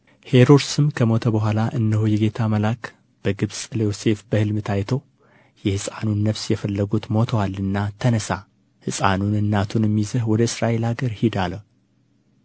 ሄሮድስም ከሞተ በኋላ እነሆ የጌታ መልአክ በግብፅ ለዮሴፍ በሕልም ታይቶ የሕፃኑን ነፍስ የፈለጉት ሞተዋልና ተነሣ ሕፃኑን እናቱንም ይዘህ ወደ እስራኤል አገር ሂድ አለ